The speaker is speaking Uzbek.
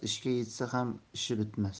ishga yetsa ham ishi bitmas